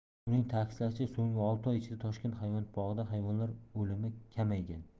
uning ta'kidlashicha so'nggi olti oy ichida toshkent hayvonot bog'ida hayvonlar o'limi kamaygan